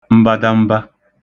mbadamba